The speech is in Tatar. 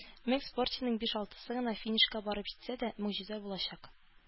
Мең спортчының биш-алтысы гына финишка барып җитсә дә, могҗиза булачак.